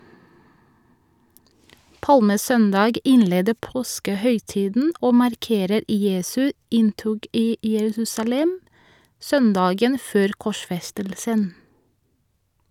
Palmesøndag innleder påskehøytiden og markerer Jesu inntog i Jerusalem søndagen før korsfestelsen.